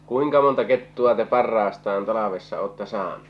kuinka monta kettua te parhaastaan talvessa olette saanut